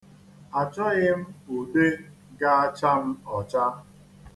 Achọghị m ude ga-acha m ọcha.